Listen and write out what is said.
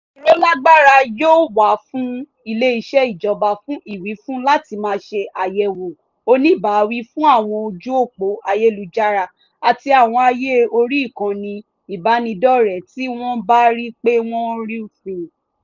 Ìrólágbára yóò wà fún Ilé-iṣẹ́ ìjọba fún Ìwífún láti máa ṣe àyẹ̀wò oníbàáwí fún àwọn ojú òpó ayélujára àti àwọn àyè orí ìkànnì ìbánidọ́rẹ̀ẹ́ tí wọ́n bá ríi pé wọ́n rúfin.